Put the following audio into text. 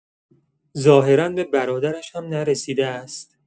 ظاهرا به برادرش هم نرسیده است.